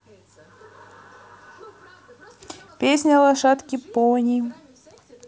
песня лошадки пони